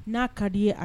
N'a ka di a